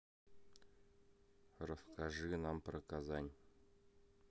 расскажи нам про казань